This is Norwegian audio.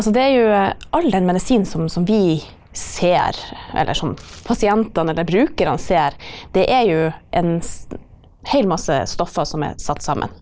altså det er jo all den medisinen som som vi ser, eller som pasientene eller brukerne ser, det er jo en heil masse stoffer som er satt sammen.